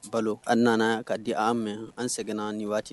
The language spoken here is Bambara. Balo, a nana ka di an ma, an sɛgɛnna ni waati